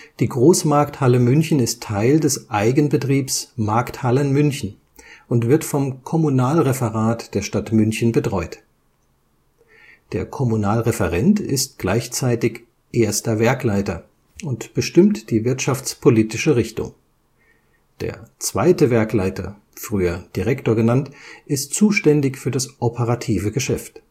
Die Großmarkthalle München ist Teil des Eigenbetriebs Markthallen München und wird vom Kommunalreferat der Stadt München betreut. Der Kommunalreferent ist gleichzeitig „ Erster Werkleiter “und bestimmt die wirtschaftspolitische Richtung. Der zweite Werkleiter (früher Direktor) ist zuständig für das operative Geschäft